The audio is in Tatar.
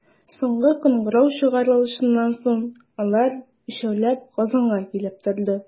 Соңгы кыңгырау чыгарылышыннан соң, алар, өчәүләп, Казанга килеп торды.